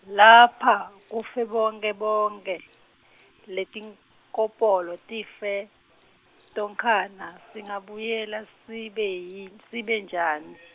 lapha kufe bonkhe bonkhe letinkopolo tife tonkhana singabuyela sibe yi, sibe njani.